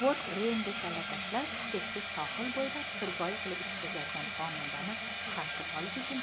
bork cheksiz sohil bo'ylab xirgoyi qilib uchib ketayotgan xonandani qarshi olish uchun reynga kalla tashlab